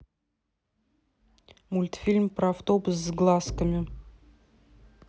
мультфильм про автобус с глазками